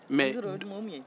mɛ